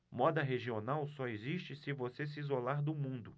moda regional só existe se você se isolar do mundo